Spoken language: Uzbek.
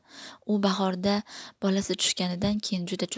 u bahorda bolasi tushganidan keyin juda cho'kib